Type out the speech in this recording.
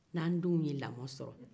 ni an denw ye lamɔ sɔrɔ